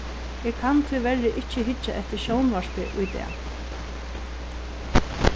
eg kann tíverri ikki hyggja eftir sjónvarpi í dag